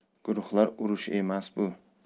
guruhlar urushi emas bu